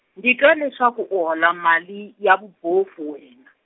ndzi twa leswaku u hola mali ya vubofu wena.